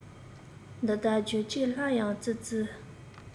འདི ལྟར བརྗོད རྗེས སླར ཡང ཙི ཙི